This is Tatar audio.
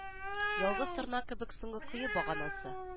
Ялгыз торна кебек соңгы кое баганасы